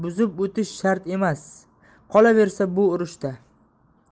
buzib o'tish shart emas qolaversa bu urushda